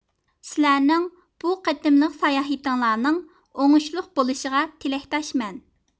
سىلەرنىڭ بۇ قېتىملىق ساياھىتىڭلارنىڭ ئوڭۇشلۇق بولۇشىغا تىلەكداشمەن